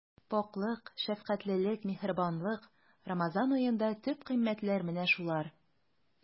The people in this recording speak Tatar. Пакьлек, шәфкатьлелек, миһербанлык— Рамазан аенда төп кыйммәтләр менә шулар.